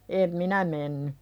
en minä mennyt